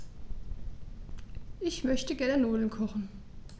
Ich möchte gerne Nudeln kochen.